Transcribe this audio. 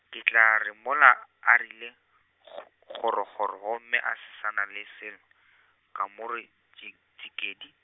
ke tla re mola a rile, kgo- kgoro kgoro gomme a s- sa na le selo , ka mo re tši- tšikedi-.